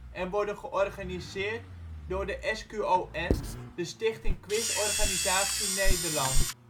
en worden georganiseerd door de SQON (Stichting QuizOrganisatie Nederland